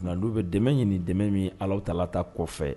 ' bɛ dɛmɛ ɲini dɛmɛ min ala tala ta kɔfɛ